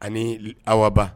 Ani awba